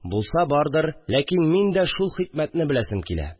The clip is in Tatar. Булса бардыр, ләкин мин дә шул хикмәтне беләсем килә